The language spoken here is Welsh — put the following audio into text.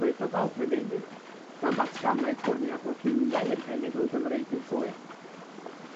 gwleidyddol Brydeinig, gan ddatgan mai bwriad o'dd dileu'r genedl Gymreig yn llwyr.